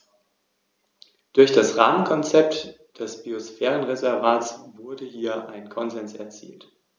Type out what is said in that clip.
Im Gegensatz dazu haben Rattenigel keine Stacheln und erwecken darum einen eher Spitzmaus-ähnlichen Eindruck.